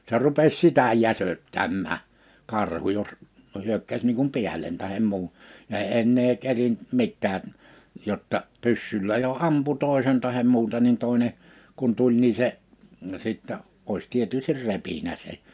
se rupesi sitä jäsöttämään karhu jos no hyökkäsi niin kuin päälle tai muun ja ei enää kerinnyt mitään jotta pyssyllä jo ampui toisen tai muuta niin toinen kun tuli niin se sitten olisi tietysti repinyt sen